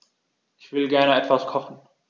Ich will gerne etwas kochen.